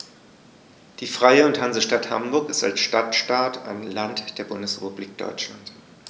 Die Freie und Hansestadt Hamburg ist als Stadtstaat ein Land der Bundesrepublik Deutschland.